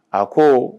A ko